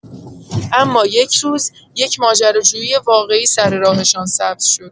اما یک روز، یک ماجراجویی واقعی سر راهشان سبز شد.